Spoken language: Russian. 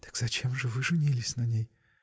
-- Так зачем же вы женились на ней?